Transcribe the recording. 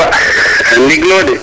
nding lo de